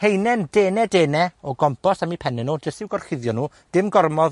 haenen dene, dene o gompost am 'u penne nw, jyst i'w gorchuddio nw. Dim gormod